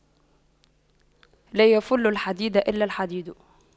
لا يَفُلُّ الحديد إلا الحديد